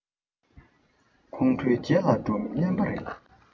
ཁོང ཁྲོའི རྗེས ལ འགྲོ མི གླེན པ རེད